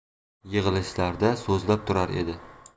yig'ilishlarda so'zlab turar edi